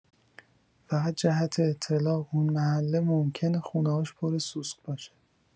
فقط جهت اطلاع اون محله ممکنه خونه‌هاش پر سوسک باشه